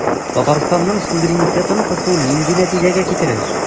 Татарстанның суверенитетын кысу нинди нәтиҗәгә китерер?